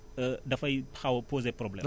dafay xaw a posé problème